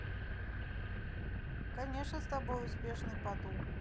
конечно с тобой успешной поту